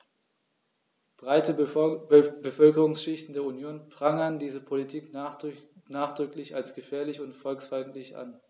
Breite Bevölkerungsschichten der Union prangern diese Politik nachdrücklich als gefährlich und volksfeindlich an.